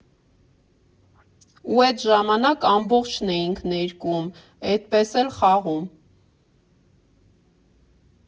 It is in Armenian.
Ու էդ ժամանակ ամբողջն էինք ներկում, էդպես էլ խաղում»։